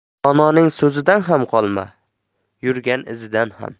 dononing so'zidan ham qolma yurgan izidan ham